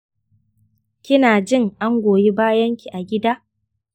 kinajin an goyi bayanki a gida